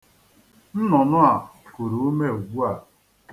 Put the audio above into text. Nnụnụ a kuru ume ugbua.